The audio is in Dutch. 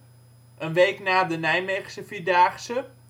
een week na de Nijmeegse Vierdaagse) Kermis